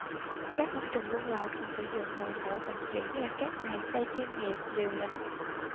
các ông trùm buôn lậu thường sử dụng đội ngũ vận chuyển là các nài xe chuyên nghiệp liều lĩnh